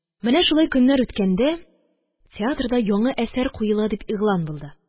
Менә шулай көннәр үткәндә, театрда яңы әсәр куела дип игълан булды.